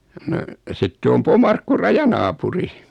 no sitten on Pomarkku rajanaapuri